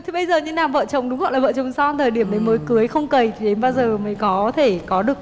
thế bây giờ như nào vợ chồng đúng là vợ chồng son thời điểm đến mới cưới không cậy thế bao giờ mới có thể có được